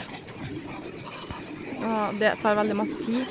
Og det tar veldig masse tid.